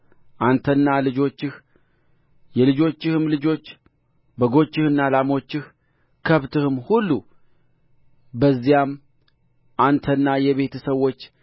አንተና ልጆችህ የልጆችህም ልጆች በጎችህና ላሞችህ ከብትህም ሁሉ በዚያም አንተና የቤትህ ሰዎች